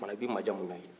o kumana i bɛ majamu ni o ye